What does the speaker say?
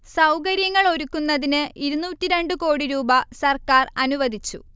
സൗകര്യങ്ങൾ ഒരുക്കുന്നതിന് ഇരുന്നൂറ്റി രണ്ട് കോടി രൂപ സർക്കാർ അനുവദിച്ചു